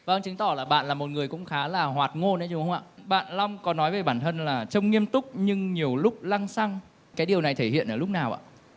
vâng chứng tỏ là bạn là một người cũng khá là hoạt ngôn đấy chứ đúng không ạ bạn long có nói về bản thân là trông nghiêm túc nhưng nhiều lúc lăng xăng cái điều này thể hiện ở lúc nào ạ